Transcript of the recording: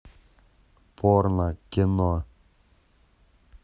порно кино